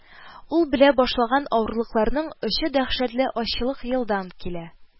Ул белә башлаган авырлыкларның очы дәһшәтле ачлык елдан килә